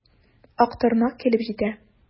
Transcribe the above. Актырнак килеп җитә.